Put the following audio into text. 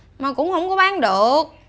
mà cũng hông có bán được